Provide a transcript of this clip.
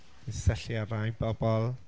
Syllu ar rai bobl…